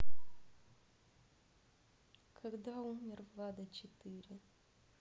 когда умер влада четыре